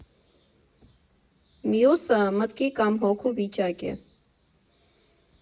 Մյուսը՝ մտքի կամ հոգու վիճակ է։